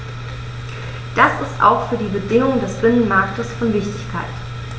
Das ist auch für die Bedingungen des Binnenmarktes von Wichtigkeit.